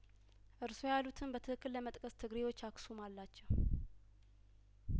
እርስዎ ያሉትን በትክክል ለመጥቀስ ትግሬዎች አክሱም አላቸው